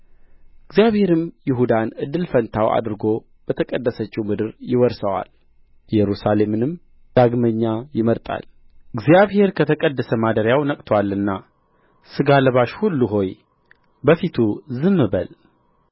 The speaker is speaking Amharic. እግዚአብሔርም ይሁዳን እድል ፈንታው አድርጎ በተቀደሰችው ምድር ይወርሰዋል ኢየሩሳሌምንም ዳግመኛ ይመርጣል እግዚአብሔር ከተቀደሰ ማደሪያው ነቅቶአልና ሥጋ ለባሽ ሁሉ ሆይ በፊቱ ዝም በል